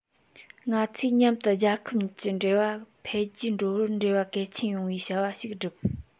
ང ཚོས མཉམ དུ རྒྱལ ཁབ གཉིས ཀྱི འབྲེལ བ འཕེལ རྒྱས འགྲོ བར འབྲེལ བ གལ ཆེན ཡོད པའི བྱ བ ཞིག བསྒྲུབས